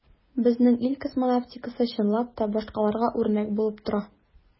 Безнең ил космонавтикасы, чынлап та, башкаларга үрнәк булып тора.